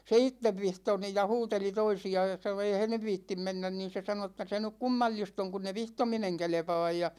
se itse vihtoi niin ja huuteli toisia ja sanoi eihän ne viitsi mennä niin se sanoi että se nyt kummallista on kun ei vihtominen kelpaa ja